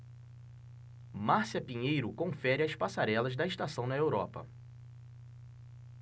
márcia pinheiro confere as passarelas da estação na europa